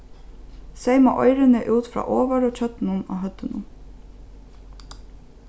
seyma oyrini út frá ovaru hjørnunum á høvdinum